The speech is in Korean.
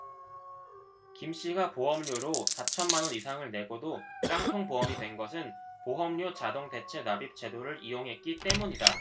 김씨가 보험료로 사천 만원 이상을 내고도 깡통보험이 된 것은 보험료 자동 대체납입제도를 이용했기 때문이다